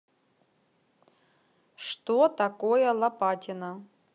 что такое лопатино